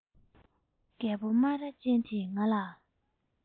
རྒད པོ སྨ ར ཅན དེས ང ལ